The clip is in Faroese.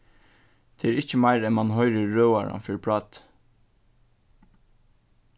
tað er ikki meir enn at mann hoyrir røðaran fyri práti